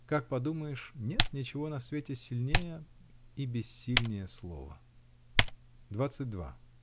Как подумаешь: нет ничего на свете сильнее. и бессильнее слова! Двадцать два.